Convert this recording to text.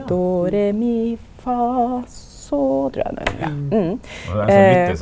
trur eg den ja .